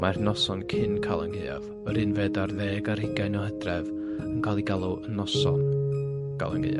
Mae'r noson cyn Calan Gaeaf, yr unfed ar ddeg ar hugain o Hydref, yn ca'l ei galw noson Galan Gaeaf.